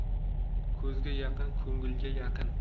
ko'zga yaqin ko'ngilga yaqin